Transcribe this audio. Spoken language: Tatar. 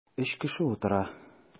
Өч кеше утыра.